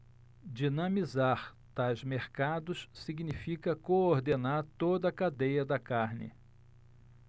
dinamizar tais mercados significa coordenar toda a cadeia da carne